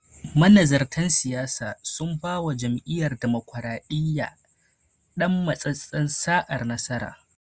Manazartan siyasa sun ba wa jam’iyar Ɗamokraɗiya ɗan matsatsen sa’ar nasara.